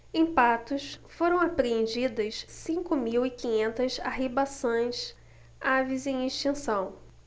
em patos foram apreendidas cinco mil e quinhentas arribaçãs aves em extinção